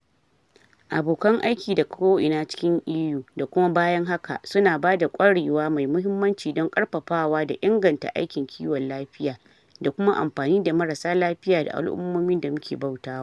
Abokan aiki daga ko'ina cikin EU, da kuma bayan haka, su na ba da kwarewa mai mahimmanci don ƙarfafawa da inganta aikin kiwon lafiya, da kuma amfani da marasa lafiya da al'ummomin da muke bautawa.